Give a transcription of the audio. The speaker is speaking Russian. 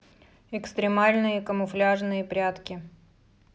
экстремальные камуфляжные прятки